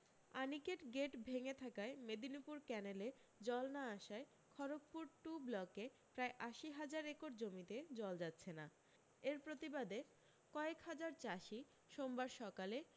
আনিকেট gate ভেঙে থাকায় মেদিনীপুর ক্যানেলে জল না আসায় খড়গপুর টু ব্লকে প্রায় আশি হাজার একর জমিতে জল যাচ্ছে না এর প্রতিবাদে কয়েক হাজার চাষী সোমবার সকালে